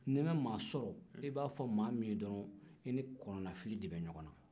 n'i maa sɔrɔ e b'a fɔ maa min ye dɔrɔn i kɔnɔnafili de bɛ ɲɔgɔn na